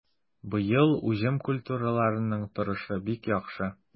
Быел уҗым культураларының торышы бик яхшы.